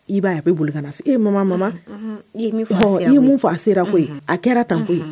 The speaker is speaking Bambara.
I b'a a bɛ boli ka fɔ e mama mama i ye mun faa a sera koyi a kɛra tan koyi